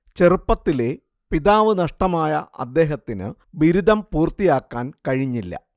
ചെറുപ്പത്തിലേ പിതാവ് നഷ്ടമായ അദ്ദേഹത്തിനു ബിരുദം പൂർത്തിയാക്കാൻ കഴിഞ്ഞില്ല